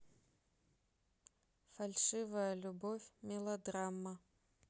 фальшивая любовь мелодрама